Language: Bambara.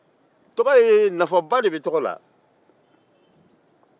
nafaba de bɛ tɔgɔ la